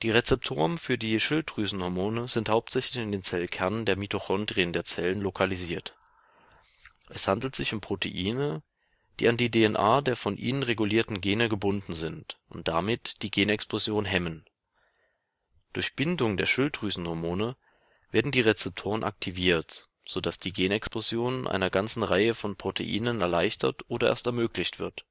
Rezeptoren für die Schilddrüsenhormone sind hauptsächlich in den Zellkernen und den Mitochondrien der Zellen lokalisiert. Es handelt sich um Proteine, die an die DNA der von ihnen regulierten Gene gebunden sind und damit die Genexpression hemmen. Durch Bindung der Schilddrüsenhormone werden die Rezeptoren aktiviert, so dass die Genexpression einer ganzen Reihe von Proteinen erleichtert oder erst ermöglicht wird